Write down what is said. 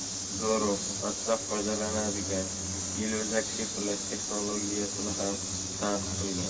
durov whatsapp foydalanadigan yelvizak shifrlash texnologiyasini ham tanqid qilgan